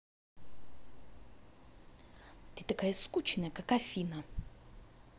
ты такая скучная как афина